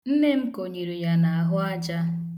Nne m konyere ya n' ahụaja.